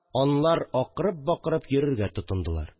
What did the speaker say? Анлар акырып-бакырып йөрергә тотындылар